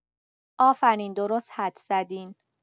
آفرین درست حدس زدین